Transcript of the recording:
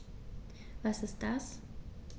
Was ist das?